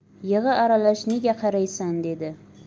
yig'i aralash nega qaraysan dedi